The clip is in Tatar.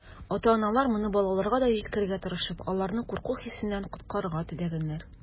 Ата-аналар, моны балаларга да җиткерергә тырышып, аларны курку хисеннән коткарырга теләгәннәр.